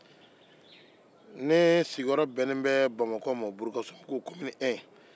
ne sigiyɔrɔ bɛnnen bɛ bamakɔ ma bulukasunbugu la sigida fɔlɔ